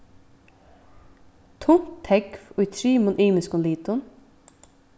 tunt tógv í trimum ymiskum litum